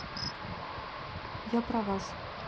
я про вас